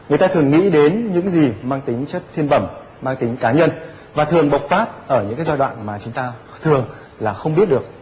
người ta thường nghĩ đến những gì mang tính chất thiên bẩm mang tính cá nhân và thường bộc phát ở những cái giai đoạn mà chúng ta thường là không biết được